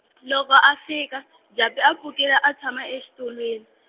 loko a fika , Japi a a pfukile a tshama exitulwini.